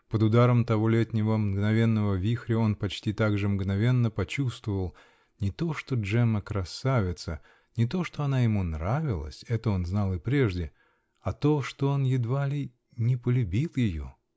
Под ударом того летнего, мгновенного вихря он почти так же мгновенно почувствовал -- не то, что Джемма красавица, не то, что она ему нравилась -- это он знал и прежде. а то, что он едва ли. не полюбил ее!